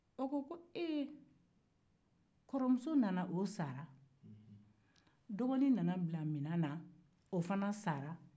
o ko ko ee kɔrɔmuso nana o sara dɔgɔnin nana bila o nɔ na o sara